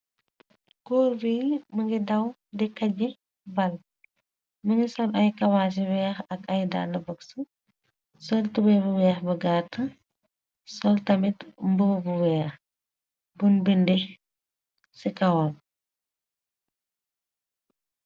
Goor bi mëngi daw di kaj ball. mëngi sol ay kawaas yu weeh ak ay dall bëgs, sol tubey bu weeh bu gaat, sol tamit mbub weeh bun bindi ci kawam.